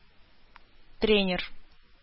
Тренер.